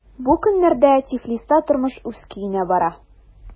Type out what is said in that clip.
Бу көннәрдә Тифлиста тормыш үз көенә бара.